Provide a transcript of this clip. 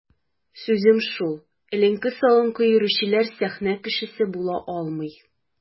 Сүзем шул: эленке-салынкы йөрүчеләр сәхнә кешесе була алмый.